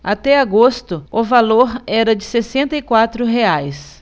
até agosto o valor era de sessenta e quatro reais